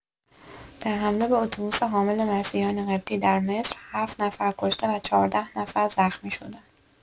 در حمله به اتوبوس حامل مسیحیان قبطی در مصر هفت نفر کشته و چهارده نفر زخمی شده‌اند.